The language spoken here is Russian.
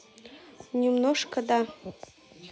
немножко да